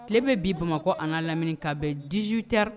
Tile bɛ bi bamakɔ an ka lamini ka bɛ dizuote